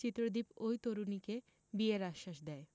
চিত্রদীপ ওই তরণীকে বিয়ের আশ্বাস দেয়